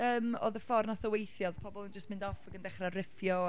Yym, oedd y ffordd wnaeth o weithio, oedd pobl yn jyst mynd off, ac yn dechrau riffio...